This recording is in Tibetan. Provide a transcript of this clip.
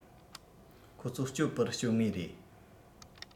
ཁོ ཚོ སྐྱོབ པར བསྐྱོད ངེས རེད